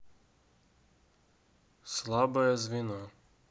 слабое звено